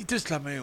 I tɛ silamɛ ye